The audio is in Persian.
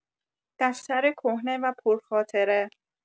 دفتر کهنه و پرخاطره